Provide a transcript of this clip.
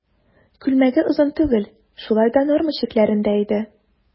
Күлмәге озын түгел, шулай да норма чикләрендә иде.